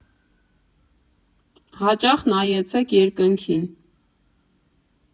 Հաճախ նայեցեք երկնքին։